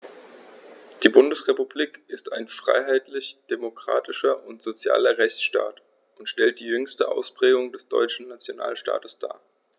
Die Bundesrepublik ist ein freiheitlich-demokratischer und sozialer Rechtsstaat und stellt die jüngste Ausprägung des deutschen Nationalstaates dar.